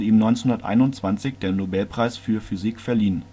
1921 der Nobelpreis für Physik verliehen